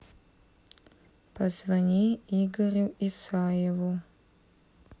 позвони игорю исаеву